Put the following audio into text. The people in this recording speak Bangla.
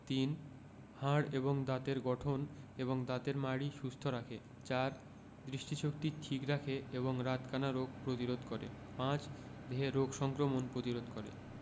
৩. হাড় এবং দাঁতের গঠন এবং দাঁতের মাড়ি সুস্থ রাখে ৪. দৃষ্টিশক্তি ঠিক রাখে এবং রাতকানা রোগ প্রতিরোধ করে ৫. দেহে রোগ সংক্রমণ প্রতিরোধ করে